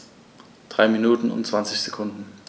3 Minuten und 20 Sekunden